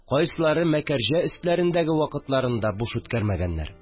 Кайсылары Мәкәрҗә өстләрендәге вакытларын да буш үткәрмәгәннәр